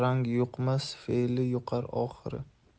rangi yuqmas fe'li yuqar oxiri